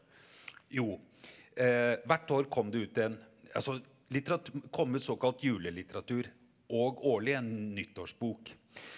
jo hvert år kom det ut en altså kom ut såkalt julelitteratur og årlig en nyttårsbok.